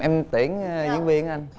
em tiễn diễn viên á anh